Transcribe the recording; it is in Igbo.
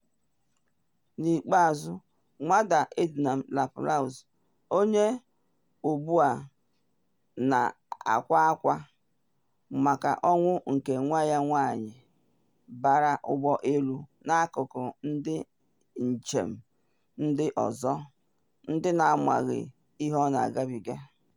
N’ikpeazụ Nwada Ednan-Laperouse, onye ugbu a na akwa akwa maka ọnwụ nke nwa nwanyị ya, bara ụgbọ elu n’akụkụ ndị njem ndị ọzọ - ndị na amaghị ihe ọ na agabiga.